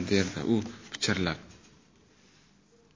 derdi u pichirlab